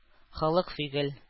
Холык-фигыль